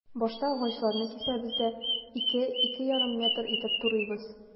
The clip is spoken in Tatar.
Башта агачларны кисәбез дә, 2-2,5 метр итеп турыйбыз.